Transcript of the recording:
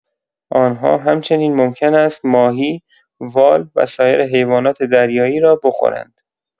آن‌ها همچنین ممکن است ماهی، وال و سایر حیوانات دریایی را بخورند.